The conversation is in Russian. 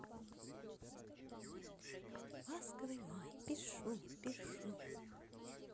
ласковый май пишу пишу